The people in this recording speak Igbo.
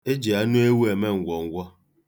E ji anụewu eme ngwọngwọ.